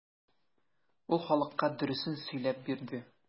Ул халыкка дөресен сөйләп бирде.